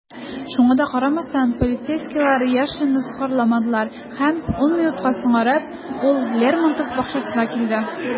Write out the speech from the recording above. Шуңа да карамастан, полицейскийлар Яшинны тоткарламадылар - һәм ун минутка соңарып, ул Лермонтов бакчасына килде.